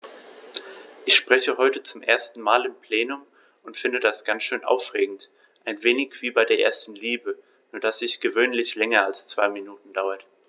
Ich spreche heute zum ersten Mal im Plenum und finde das ganz schön aufregend, ein wenig wie bei der ersten Liebe, nur dass die gewöhnlich länger als zwei Minuten dauert.